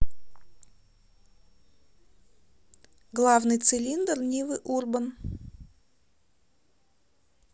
главный цилиндр нивы урбан